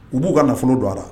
U b'u ka nafolo don a